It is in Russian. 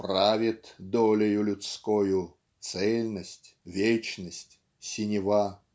Правит долею людскою Цельность, вечность, синева.